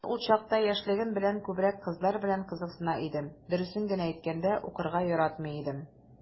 Мин ул чакта, яшьлегем белән, күбрәк кызлар белән кызыксына идем, дөресен генә әйткәндә, укырга яратмый идем...